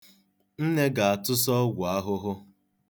Nne ga-atụsa ọgwụ ahụhụ.